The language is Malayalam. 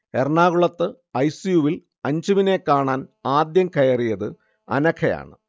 എറണാകുളത്തെ ഐ. സി. യു വിൽ അഞ്ജുവിനെ കാണാൻ ആദ്യം കയറിയത് അനഘയാണ്